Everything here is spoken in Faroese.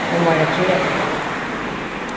og meira kreativ